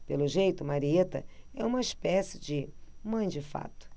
pelo jeito marieta é uma espécie de mãe de fato